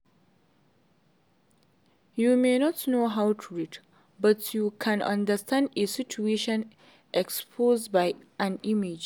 You may not know how to read but you can understand a situation exposed by an image.